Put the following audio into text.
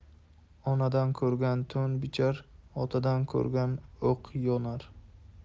onadan ko'rgan to'n bichar otadan ko'rgan o'q yo'nar